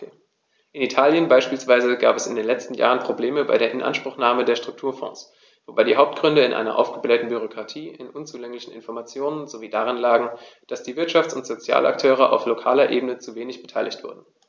In Italien beispielsweise gab es in den letzten Jahren Probleme bei der Inanspruchnahme der Strukturfonds, wobei die Hauptgründe in einer aufgeblähten Bürokratie, in unzulänglichen Informationen sowie darin lagen, dass die Wirtschafts- und Sozialakteure auf lokaler Ebene zu wenig beteiligt wurden.